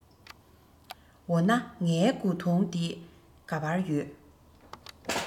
འོ ན ངའི གོས ཐུང དེ ག པར ཡོད